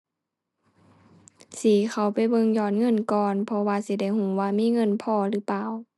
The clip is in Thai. สิเข้าไปเบิ่งยอดเงินก่อน เพราะว่าสิได้รู้ว่ามีเงินพอหรือเปล่า